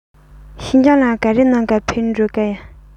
ཤིན ཅང ལ ག རེ གནང ག ཕེབས འགྲོ ག